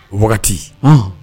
O wagati